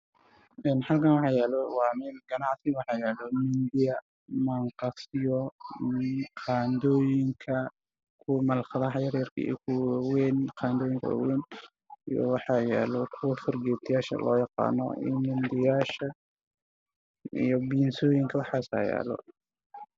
Meeshaan waa dukaan waxaa lagu iibinayaa alaabta lagu isticmaalo guryaha iyo jagada oo wax lagu qarsado waana midiyaha shabaabka koobabka